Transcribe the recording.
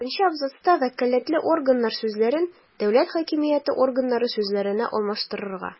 Алтынчы абзацта «вәкаләтле органнар» сүзләрен «дәүләт хакимияте органнары» сүзләренә алмаштырырга;